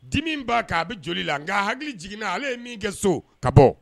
Dimi b'a kan a bɛ joli la n nk'a hakili jiginna ale ye min kɛ so ka bɔ